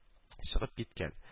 Чыгып киткән